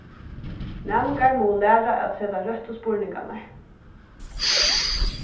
næmingar mugu læra at seta røttu spurningarnar